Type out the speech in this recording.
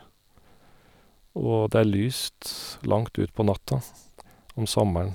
Og det er lyst langt utpå natta om sommeren.